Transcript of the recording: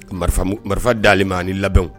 Marifa dalenale ma ni labɛnw